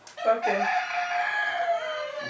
ok